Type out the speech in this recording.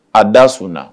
A da sɔnna